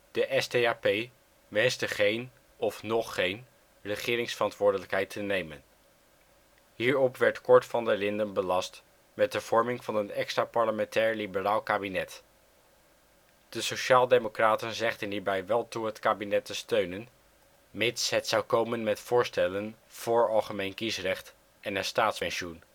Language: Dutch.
De SDAP wenste (nog) geen regeringsverantwoordelijkheid te nemen. Hierop werd Cort van der Linden belast met de vorming van een extraparlementair liberaal kabinet. De sociaal-democraten zegden hierbij wel toe het kabinet te steunen, mits het zou komen met voorstellen voor algemeen kiesrecht en een staatspensioen